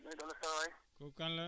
maalleykum salaam nuyu la waay